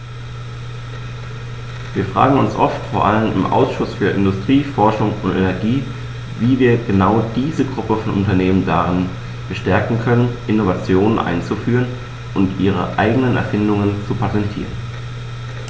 Wir fragen uns oft, vor allem im Ausschuss für Industrie, Forschung und Energie, wie wir genau diese Gruppe von Unternehmen darin bestärken können, Innovationen einzuführen und ihre eigenen Erfindungen zu patentieren.